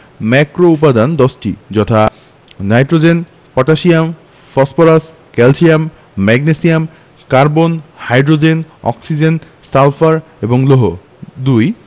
ম্যাক্রোউপাদান 10টি যথা nitrogen potassium phosphorus calcium magnesium carbon hydrogen oxygen sulphur এবং লৌহ ২